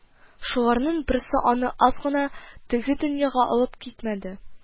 Шуларның берсе аны аз гына теге дөньяга алып китмәде